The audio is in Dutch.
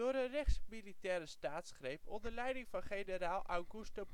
rechtse militaire staatsgreep onder leiding van generaal Augusto